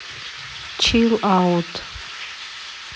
чил аут